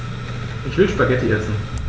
Ich will Spaghetti essen.